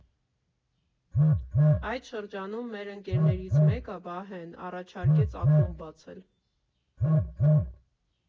Այդ շրջանում մեր ընկերներից մեկը՝ Վահեն, առաջարկեց ակումբ բացել։